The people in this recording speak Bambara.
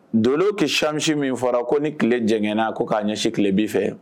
Doloka kisamisi min fɔra ko ni kile jɛgɛnna ko ka ɲɛsin kilebin fɛ.